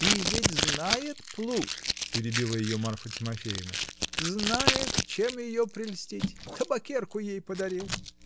-- И ведь знает, плут, -- перебила ее Марфа Тимофеевна, -- знает, чем ее прельстить: табакерку ей подарил.